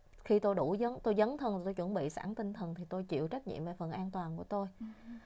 khi tôi đủ dấn tôi dấn thân và tôi chuẩn bị sẵn tinh thần thì tôi chịu trách nhiệm về phần an toàn của tôi